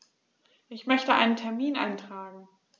Ich möchte einen Termin eintragen.